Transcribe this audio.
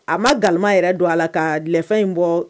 A ma gama yɛrɛ don a la ka tilelɛfɛn in bɔ